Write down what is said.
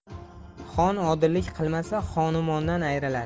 xon odillik qilmasa xonumondan ayrilar